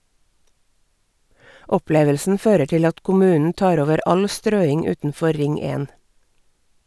Opplevelsen fører til at kommunen tar over all strøing utenfor Ring 1.